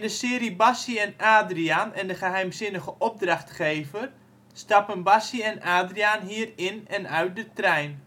serie Bassie en Adriaan en de geheimzinnige opdrachtgever stappen Bassie en Adriaan hier in en uit de trein